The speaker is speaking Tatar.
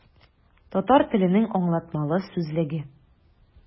Татар теленең аңлатмалы сүзлеге.